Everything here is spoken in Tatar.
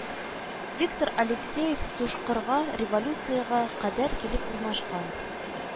Виктор Алексеев Тушкырга революциягә кадәр килеп урнашкан